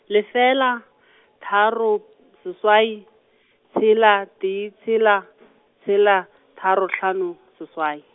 lefela , tharo, seswai , tshela, tee tshela , tshela, tharo hlano, seswai.